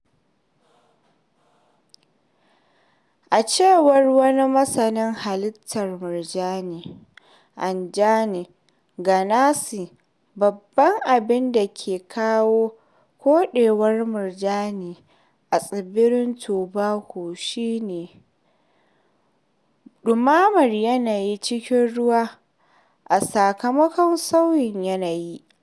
A cewar wani masanin halittar murjani Anjani Ganase, babban abinda ke kawo koɗewar murjani a tsibirin Tobago shi ne ɗumamar yanayin cikin ruwa - a sakamakon sauyin yanayi.